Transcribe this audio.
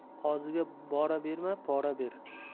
qoziga bora berma pora ber